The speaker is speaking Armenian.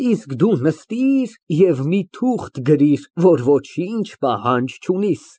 Իսկ դու նստիր և մի թուղթ գրիր, որ ոչինչ պահանջ չունիս։